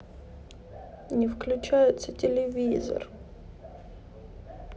не включается телевизор